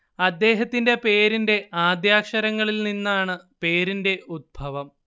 അദ്ദേഹത്തിന്റെ പേരിന്റെ ആദ്യാക്ഷരങ്ങളിൽ നിന്നാണ് പേരിന്റെ ഉത്ഭവം